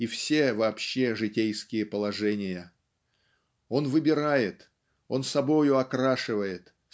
и все вообще житейские положения. Он выбирает он собою окрашивает